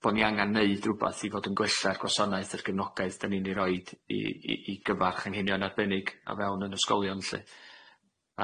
bo ni angan neud rwbath i fod yn gwella'r gwasanaeth a'r gefnogaeth 'da ni'n ei roid i i i gyfarch anghenion arbennig a fewn 'yn ysgolion lly.